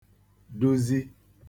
duzi